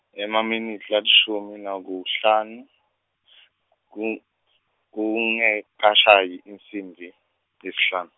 emaminitsi lalishumi nakuhlanu , ku kungekashayi insimbi yesihlanu.